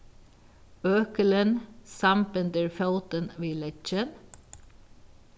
økilin sambindur fótin við leggin